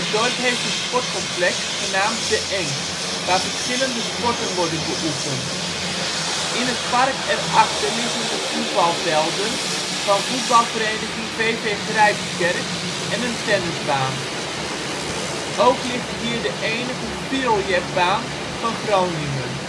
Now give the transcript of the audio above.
dorp heeft een sportcomplex genaamd ' De Enk ', waar verschillende sporten worden beoefend. In het park erachter liggen de voetbalvelden van voetbalvereniging VV Grijpskerk en een tennisbaan. Ook ligt hier de enige fierljepbaan van Groningen